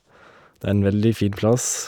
Det er en veldig fin plass.